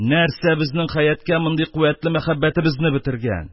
Нәрсә безнең хәятка мондый куәтле мәхәббәтебезне бетергән?